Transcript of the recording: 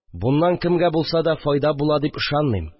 Буннан кемгә булса да файда була дип ишанмыйм